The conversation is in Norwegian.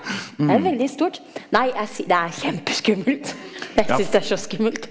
det er veldig stort nei jeg det er kjempeskummelt, jeg syns det er så skummelt.